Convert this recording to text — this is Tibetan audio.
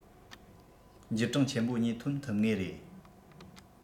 འགྱུར གྲངས ཆེན པོ གཉིས ཐོན ཐུབ ངེས རེད